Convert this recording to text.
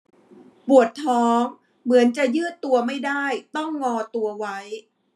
ปวดท้องเหมือนจะยืดตัวไม่ได้ต้องงอตัวไว้